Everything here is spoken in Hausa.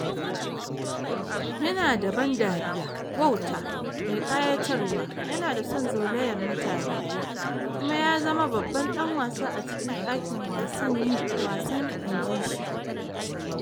"Yana da ban dariya, wauta, mai ƙayatarwa, yana da son zolayar mutane, kuma ya zama babban dan wasa a cikin dakin wasan," inji shi.